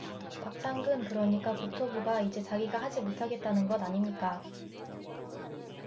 박창근 그러니까 국토부가 이제 자기가 하지 못하겠다는 것 아닙니까